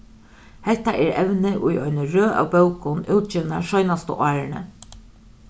hetta er evni í eini røð av bókum útgivnar seinastu árini